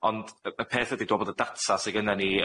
Ond y y peth ydi dw' me'l bod y data sy gynnon ni